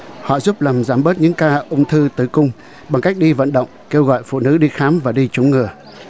họ giúp làm giảm bớt những ca ung thư tử cung bằng cách đi vận động kêu gọi phụ nữ đi khám và đi chủng ngừa